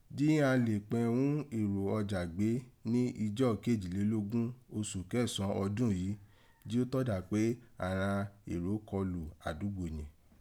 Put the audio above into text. Jí ghan lè e pẹn ghún èrò ọjà gbé ni Ọjọ Kejilelogun, Oṣùn Kẹsan, ọdọ́n yìí, jí o to dà pé àghan èrò kọlù adúgbò yẹ̀n.